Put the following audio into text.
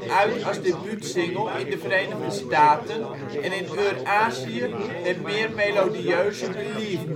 uit als debuutsingle in de Verenigde Staten en in Eurazië het meer melodieuze " Believe